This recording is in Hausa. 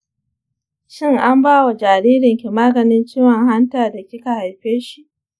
shin an bawa jaririnki maganin ciwon hanta da kika haifeshi?